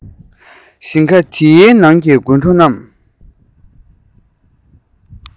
ད ལྟ ཡང སྔོ ལྗང ལྗང དུ ཡོད པ མཐོང